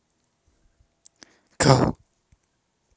кал